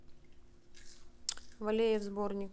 валеев сборник